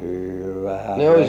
kyllähän minä